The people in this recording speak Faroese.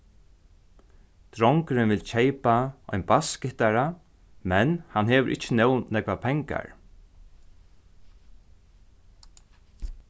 drongurin vil keypa ein bassgittara men hann hevur ikki nóg nógvar pengar